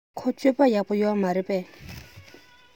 ཁོའི སྤྱོད པ ཡག པོ ཡོད མ རེད པས